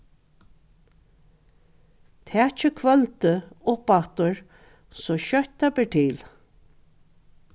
takið kvøldið upp aftur so skjótt tað ber til